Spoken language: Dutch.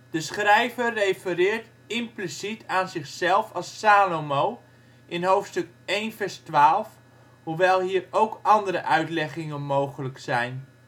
De schrijver refereert impliciet aan zichzelf als Salomo in hoofdstuk 1:12, hoewel hier ook andere uitleggingen mogelijk zijn